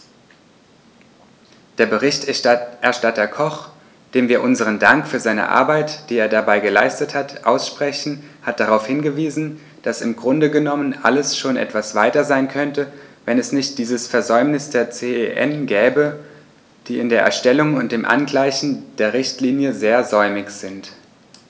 Der Berichterstatter Koch, dem wir unseren Dank für seine Arbeit, die er dabei geleistet hat, aussprechen, hat darauf hingewiesen, dass im Grunde genommen alles schon etwas weiter sein könnte, wenn es nicht dieses Versäumnis der CEN gäbe, die in der Erstellung und dem Angleichen der Richtlinie sehr säumig sind.